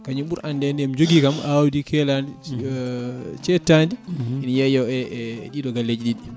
kañum ɓuuri andede eɓe jogui kam awdi keeladi cettadi ene yeeye e e ɗiɗo galleji ɗiɗi